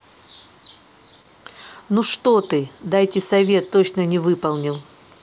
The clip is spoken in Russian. ну что ты дайте совет точно не выполнил